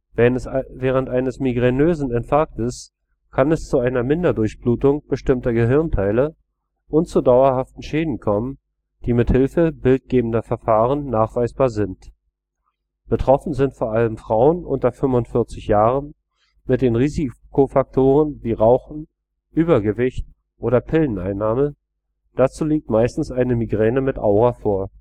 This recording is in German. Während eines migränösen Infarktes kann es zu einer Minderdurchblutung bestimmter Gehirnteile und zu dauerhaften Schäden kommen, die mit Hilfe bildgebender Verfahren nachweisbar sind. Betroffen sind vor allem Frauen unter 45 Jahren mit Risikofaktoren wie Rauchen, Übergewicht oder Pilleneinnahme, dazu liegt meistens eine Migräne mit Aura vor